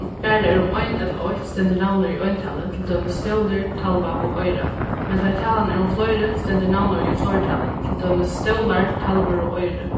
bara er um ein ella eitt stendur navnorðið í eintali til dømis stólur talva og oyra men tá ið talan er um fleiri stendur navnorðið í fleirtali til dømis stólar talvur og oyru